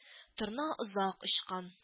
Торна озак очкан